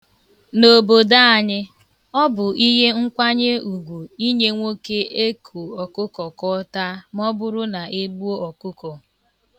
N' obodo anyị , ọ bụ ihe nkwanye ugwu inye nwoke eko ọkụkọ ka ọ taa ma ọ bụrụ na e gbuo ọkụkọ.